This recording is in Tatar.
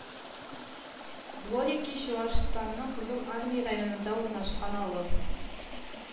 Дворики Чуашстанның Кызыл Армия районында урнашкан авыл